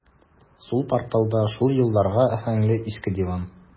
Сул порталда шул елларга аһәңле иске диван.